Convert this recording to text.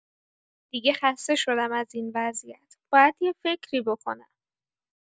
دیگه خسته شدم از این وضعیت، باید یه فکری بکنم.